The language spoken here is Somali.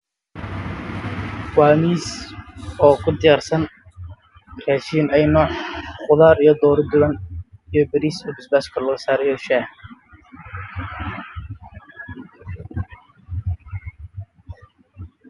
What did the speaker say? waa miis ku diyaarsan qudaar nooc walba ah oo macaan miiska waa qaxwi